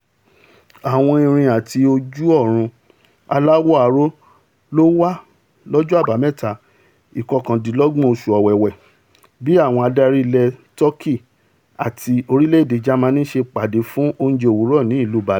Àwọn ẹ̀rín àti ojú-ọrun aláwọ aró lówà lọ́jọ́ Àbámẹ́tà (ìkọkàndínlọ́gbọ̀n oṣ̀ù Owewe) bí àwọn adari orílẹ̀-èdè Tọ́kì àti orílẹ̀-èdè Jamani ṣe pàdé fún oúnjẹ òwúrọ̀ ní ìlú Berlin.